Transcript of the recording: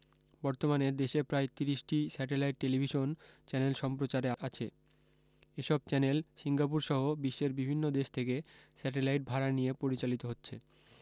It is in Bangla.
বর্তমানে দেশে প্রায় ৩০টি স্যাটেলাইট টেলিভিশন চ্যানেল সম্প্রচারে আছে এসব চ্যানেল সিঙ্গাপুরসহ বিশ্বের বিভিন্ন দেশ থেকে স্যাটেলাইট ভাড়া নিয়ে পরিচালিত হচ্ছে